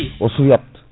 o suyat